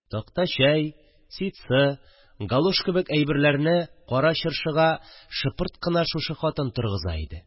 Такта чәй, ситсы, галош кебек әйберләрне Кара Чыршыга шыпырт кына шушы хатын торгыза иде